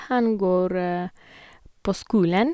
Han går på skolen.